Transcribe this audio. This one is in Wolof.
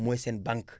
mooy seen banque